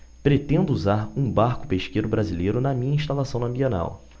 pretendo usar um barco pesqueiro brasileiro na minha instalação na bienal